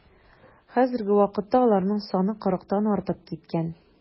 Хәзерге вакытта аларның саны кырыктан артып киткән.